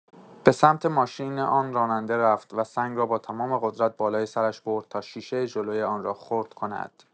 به‌سمت ماشین آن راننده رفت و سنگ را با تمام قدرت بالای سرش برد تا شیشه جلوی آن را خرد کند.